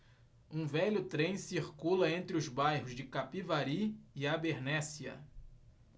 um velho trem circula entre os bairros de capivari e abernéssia